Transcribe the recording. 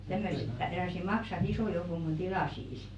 tämmöiset tämmöiset maksavat ison joukon kun tilaisi